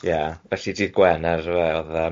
Ie, felly dydd Gwener yfe oedd yym.